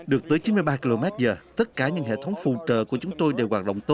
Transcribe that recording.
được tới chín mươi ba ki lô mét giờ tất cả những hệ thống phụ trợ của chúng tôi đều hoạt động